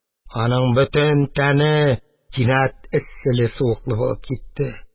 Аның бөтен тәне кинәт эсселе-суыклы булып китте.